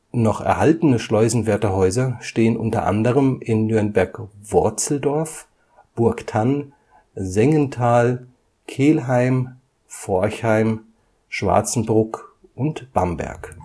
Noch erhaltene Schleusenwärterhäuser stehen unter anderem in Nürnberg-Worzeldorf, Burgthann, Sengenthal, Kelheim, Forchheim (⊙ 49.72553888888911.058661111111), Schwarzenbruck und Bamberg